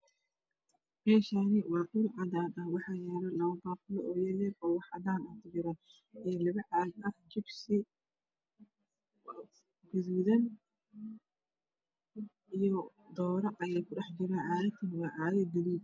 Meshani waa dhul cadan ah waxa yaalo Labobaquli owawe owax cadan ah kujiran iyo Labbocag jibsi gaduudan iyo doore ayaakudhaxjira cagagta waacaagag gaduud ah